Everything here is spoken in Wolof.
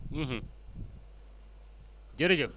jërëjëf